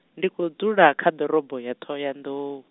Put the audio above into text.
ndi khou dzula kha ḓorobo ya Ṱhohoyanḓou.